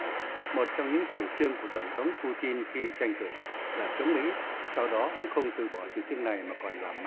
một trong những chủ trương của tổng thống putin khi tranh cử là chống mỹ sau đó ông không từ bỏ chủ trương này mà còn làm